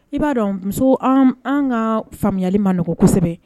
I b'a dɔn muso an ka faamuyayali ma n nɔgɔ kosɛbɛ